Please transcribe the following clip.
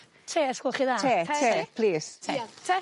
Te os gwelwch chi dda. Te te plîs te. Iawn. Te?